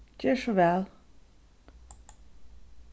ger so væl